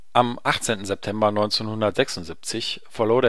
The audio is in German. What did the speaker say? Am 18. September 1976 verlor